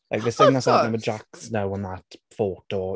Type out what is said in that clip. Like with... O wrth gwrs!... something that's happened with Jacques now and that photo.